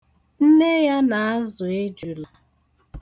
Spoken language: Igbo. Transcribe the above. Nne ya na-azụ ejula.